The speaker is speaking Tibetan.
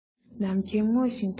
ནམ མཁའ སྔོ ཞིང དྭངས ལ